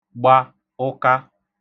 gba ụka